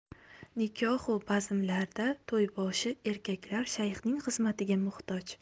nikohu bazmlarda to'yboshi erkaklar shayxning xizmatiga muhtoj